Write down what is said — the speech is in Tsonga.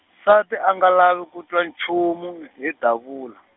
nsati a nga lavi ku twa nchumu , hi Davula.